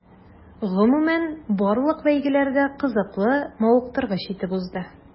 Гомумән, барлык бәйгеләр дә кызыклы, мавыктыргыч итеп узды.